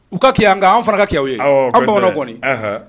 U ka kɛ an kan anw fana k'a kɛ u yen anw bamananw kɔni, anhan